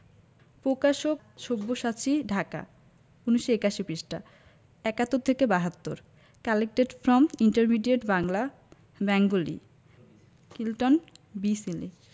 পকাশকঃ সব্যসাচী ঢাকা ১৯৮১ পৃষ্ঠাঃ ৭১ থেকে ৭২ collected from intermediate Bangla Bengali Clinton B Seely